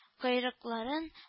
Койрыкларын